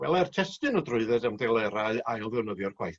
gweler testun y drwydded am delerau ail ddefnyddio'r gwaith.